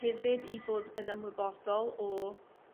hefyd i fod yn ymwybodol o